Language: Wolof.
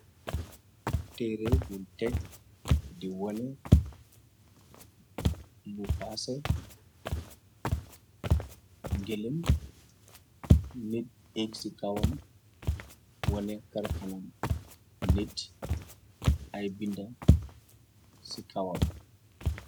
Teere bu tek di wone lu paasé, géleem nit ege ci kawam, wone kër anam nit ay binda ci kawam.